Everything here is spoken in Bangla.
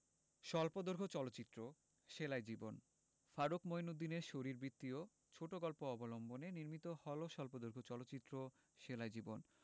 স্বল্পদৈর্ঘ্য চলচ্চিত্র সেলাই জীবন ফারুক মইনউদ্দিনের শরীরবৃত্তীয় ছোট গল্প অবলম্বনে নির্মিত হল স্বল্পদৈর্ঘ্য চলচ্চিত্র সেলাই জীবন